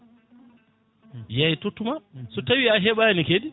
yeeya tottuma so tawi a heeɓani kadi